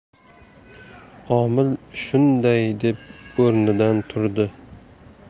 omil shunday deb o'rnidan turdi